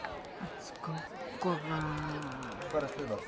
Atgof gorau... Gorau 'Steddfod.